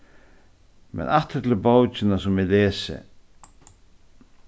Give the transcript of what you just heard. men aftur til bókina sum eg lesi